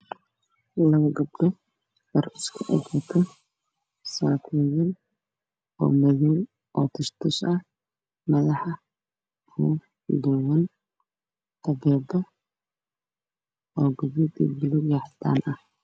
Waa hool waxaa iskugu imaaday gabdho